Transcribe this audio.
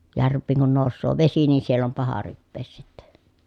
järviin kun nousee vesi niin siellä on paha rypeä sitten